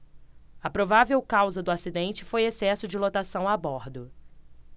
a provável causa do acidente foi excesso de lotação a bordo